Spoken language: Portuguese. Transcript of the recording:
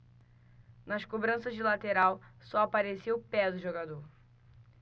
nas cobranças de lateral só aparecia o pé do jogador